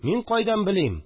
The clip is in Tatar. Мин кайдан белим